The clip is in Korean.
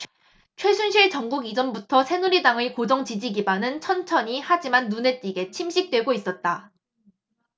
최순실 정국 이전부터 새누리당의 고정 지지 기반은 천천히 하지만 눈에 띄게 침식되고 있었다